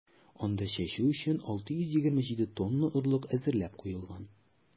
Анда чәчү өчен 627 тонна орлык әзерләп куелган.